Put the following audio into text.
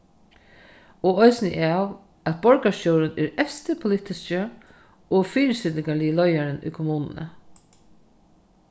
og eisini av at borgarstjórin er evsti politiski og fyrisitingarligi leiðarin í kommununi